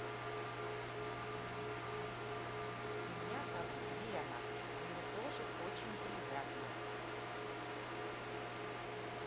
меня зовут лена мне тоже очень приятно